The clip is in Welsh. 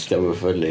Dydi o ddim yn funny.